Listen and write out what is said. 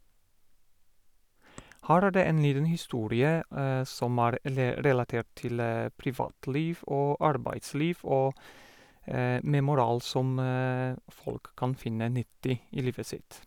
Her er det en liten historie som er ele relatert til privatliv og arbeidsliv, og med moral som folk kan finne nyttig i livet sitt.